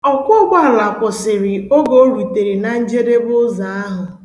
Ọkwọ ụgbọala kwụsịrị oge o rutere na njedebe ụzọ ahụ.